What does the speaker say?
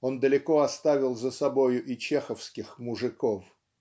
он далеко оставил за собою и чеховских "Мужиков".